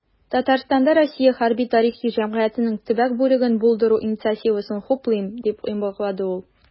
"татарстанда "россия хәрби-тарихи җәмгыяте"нең төбәк бүлеген булдыру инициативасын хуплыйм", - дип йомгаклады ул.